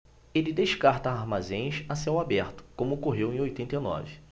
ele descarta armazéns a céu aberto como ocorreu em oitenta e nove